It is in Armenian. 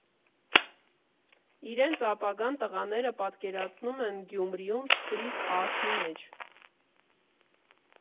Իրենց ապագան տղաները պատկերացնում են Գյումրիում սթրիթ արթի մեջ։